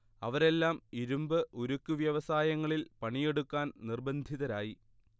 അവരെല്ലാം ഇരുമ്പ്, ഉരുക്ക് വ്യവസായങ്ങളിൽ പണിയെടുക്കാൻ നിർബന്ധിതരായി